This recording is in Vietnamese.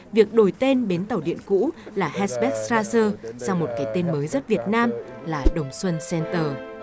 việc đổi tên bến tàu điện cũ là héc bét xa xưa sau một cái tên mới rất việt nam là đồng xuân xen tờ